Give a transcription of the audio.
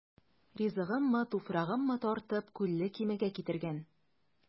Ризыгыммы, туфрагыммы тартып, Күлле Кимегә китергән.